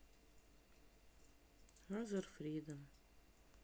азер фридом